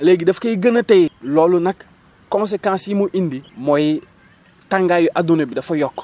léegi daf koy gën a téye loolu nag conséquences yi mu indi mooy tàngaayu adduna bi dafa yokk